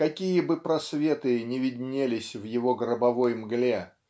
какие бы просветы ни виднелись в его гробовой мгле